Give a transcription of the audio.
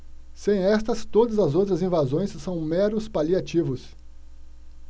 sem estas todas as outras invasões são meros paliativos